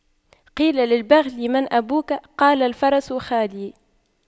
قيل للبغل من أبوك قال الفرس خالي